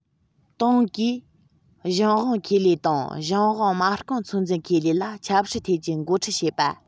ཏང གིས གཞུང དབང ཁེ ལས དང གཞུང དབང མ རྐང ཚོད འཛིན ཁེ ལས ལ ཆབ སྲིད ཐད ཀྱི འགོ ཁྲིད བྱེད པ